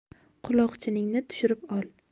quloqchiningni tushirib ol